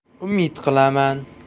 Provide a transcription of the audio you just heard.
umid qilaman